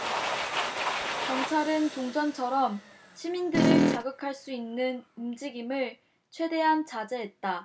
경찰은 종전처럼 시민들을 자극할 수 있는 움직임을 최대한 자제했다